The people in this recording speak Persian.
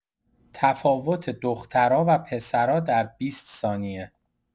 تفاوت دخترا و پسرا در بیست ثانیه